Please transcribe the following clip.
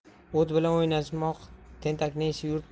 o't bilan o'ynashmoq tentakning ishi